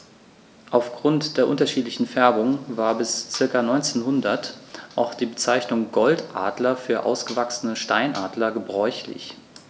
Auf Grund der unterschiedlichen Färbung war bis ca. 1900 auch die Bezeichnung Goldadler für ausgewachsene Steinadler gebräuchlich.